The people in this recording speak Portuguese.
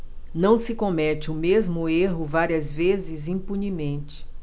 não se comete o mesmo erro várias vezes impunemente